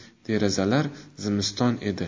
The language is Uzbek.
derazalar zimiston edi